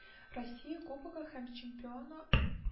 Россия Кубогы һәм Чемпиона